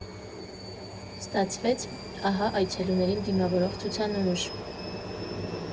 Ստացվեց, ահա, այցելուներին դիմավորող ցուցանմուշ։